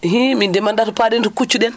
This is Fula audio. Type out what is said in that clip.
ihin min de mi anndaa to paaɗen to kuccu ɗen